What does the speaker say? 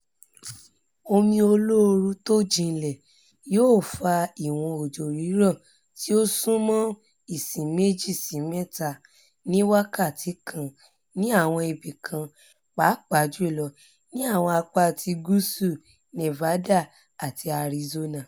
Omi olóoru tójínlẹ̀ yóò fa ìwọ̀n òjò rírọ̀ tí ó súnmọ́ íǹsì 2 sí 3 ni wákàtí kan ní àwọn ibi kan, papàá jùlọ ní àwọn apá ti gúúsù Nevada àti Arizona.